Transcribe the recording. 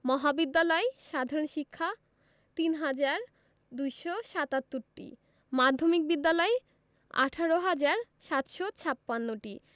মহাবিদ্যালয় সাধারণ শিক্ষা ৩হাজার ২৭৭টি মাধ্যমিক বিদ্যালয় ১৮হাজার ৭৫৬টি